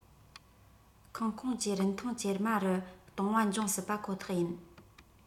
ཁང ཁོངས ཀྱི རིན ཐང ཇེ དམའ རུ གཏོང བ འབྱུང སྲིད པ ཁོ ཐག ཡིན